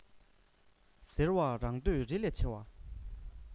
ཟེར བ རང འདོད རི ལས ཆེ བ